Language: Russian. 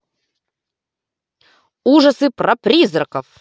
ужасы про призраков